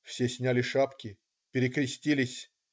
Все сняли шапки, перекрестились.